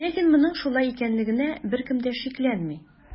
Ләкин моның шулай икәнлегенә беркем дә шикләнми.